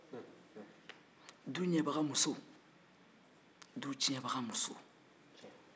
du ɲɛbaga musow du tiɲɛbaga musow